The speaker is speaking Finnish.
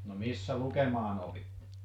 no missä lukemaan opitte